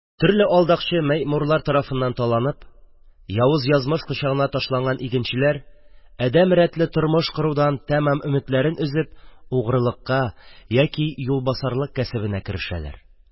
Төрле алдакчы мәэмурлар тарафыннан таланып, явыз язмыш кочагына ташланган игенчеләр, әдәм рәтле тормыш корудан тамам өметләрен өзеп, угрылыкка яки юлбасарлык кәсебенә керешәләр.